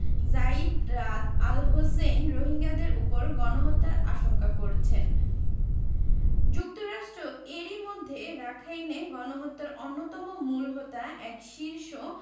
Zeid Raad al Hussein রোহিঙ্গাদের ওপর গণহত্যার আশঙ্কা করেছেন যুক্তরাষ্ট্র এরই মধ্যে রাখাইনে গণহত্যার অন্যতম মূল হোতা এক শীর্ষ